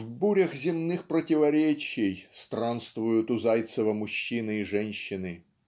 "В бурях земных противоречий" странствуют у Зайцева мужчины и женщины.